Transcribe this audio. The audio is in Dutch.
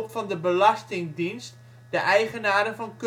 van de belastingdienst de eigenaren van